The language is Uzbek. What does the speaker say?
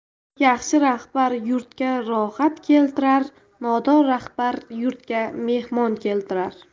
yaxshi rahbar yurtga rohat keltirar nodon rahbar yurtga mehmon keltirar